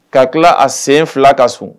Ka tila a sen fila ka sun